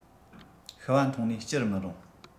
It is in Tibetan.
ཤི བ མཐོང ནས སྐྱུར མི རུང